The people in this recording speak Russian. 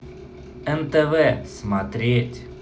нтв смотреть